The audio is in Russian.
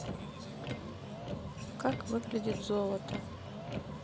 как выглядит золото